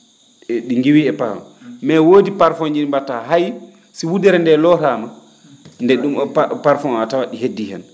e ?i ngiwii e *mais woodi parfum ji ?i mbattaa hay si wudere ndee looraama nde ?um parfum o a tawat ?i heddii heen